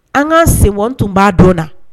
An k'an sen bɔ n tun b'a dɔn na